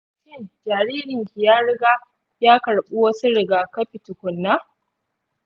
shin jaririnki ya riga ya karɓi wasu rigakafi tukunna?